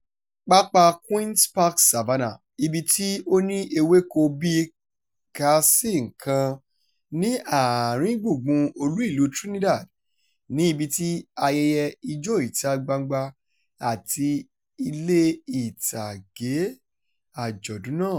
Pápáa Queen's Park Savannah, ibi tí ó ní ewéko bíi kàá-sí-nǹkan ní àárín gbùngbùn olú ìlú Trinidad, ni ibi tí ayẹyẹ Ijó ìta-gbangba àti ilé ìtàgé àjọ̀dún náà.